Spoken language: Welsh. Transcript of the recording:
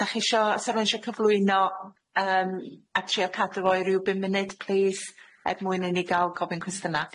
Dach chi sho, 'sa rwun sho cyflwyno cyflwyno yym a trio cadw fo i ryw bum munud plîs er mwyn i ni ga'l gofyn cwestyna.